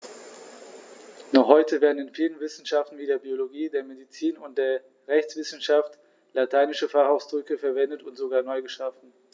Noch heute werden in vielen Wissenschaften wie der Biologie, der Medizin und der Rechtswissenschaft lateinische Fachausdrücke verwendet und sogar neu geschaffen.